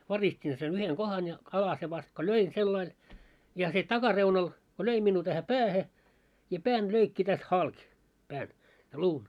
varistin sen yhden kohdan ja alasen vasta kun löin sillä lailla ja se takareunalla kun löi minua tähän päähän ja pään löi tästä halki pään ja luun